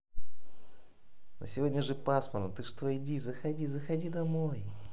ну сегодня же пасмурно ты что иди заходи заходи домой